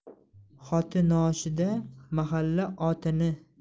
xotinoshida mahalla otini